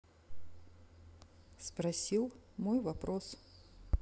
спросил мой вопрос